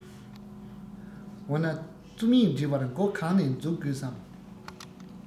འོ ན རྩོམ ཡིག འབྲི བར མགོ གང ནས འཛུགས དགོས སམ